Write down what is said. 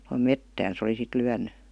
tuohon metsään se oli sitten lyönyt